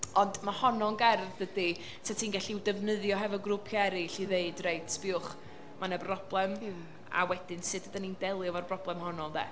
Ond ma' honno'n gerdd dydi, 'set ti'n gallu i'w defnyddio hefo grwpiau eraill i ddweud, reit, sbiwch, mae yna broblem... ia. ...a wedyn sut ydan ni'n delio efo'r broblem honno, ynde.